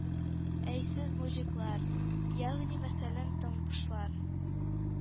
-әй сез, мужиклар, ягъни мәсәлән, тыңкышлар,